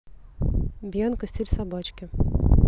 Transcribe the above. бьянка стиль собачки